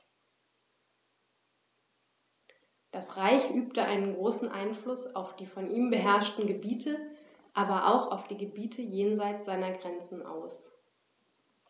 Das Reich übte einen großen Einfluss auf die von ihm beherrschten Gebiete, aber auch auf die Gebiete jenseits seiner Grenzen aus.